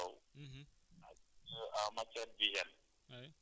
ma dellusiwaat gannaaw tuuti monsieur Sow